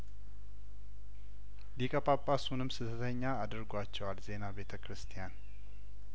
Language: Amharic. ሊቀ ጳጳሱንም ስህተተኛ አድርጓቸዋል ዜና ቤተ ክርስቲያን